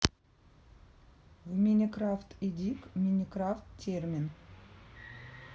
в minecraft эдик minecraft термин